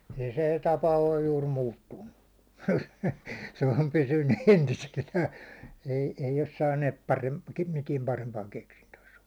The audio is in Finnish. ei se tapa ole juuri muuttunut se on pysynyt entisellään ei ei ole saaneet - mitään parempaan keksintöönsä